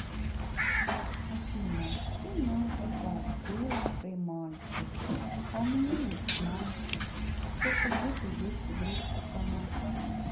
афина ты но это так девочка и мальчик я у меня есть мальчик просто где то есть игрушка сама